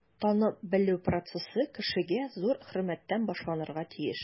Танып-белү процессы кешегә зур хөрмәттән башланырга тиеш.